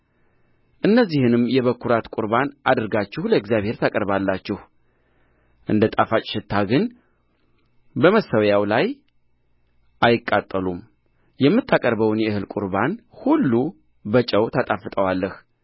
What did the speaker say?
እነዚህንም የበኵራት ቍርባን አድርጋችሁ ለእግዚአብሔር ታቀርባላችሁ እንደ ጣፋጭ ሽታ ግን በመሠዊያው ላይ አይቃጠሉምየምታቀርበውን የእህል ቍርባን ሁሉ በጨው ታጣፍጠዋለህ